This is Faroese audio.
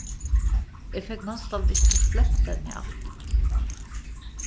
eg fekk næstan ikki slept henni aftur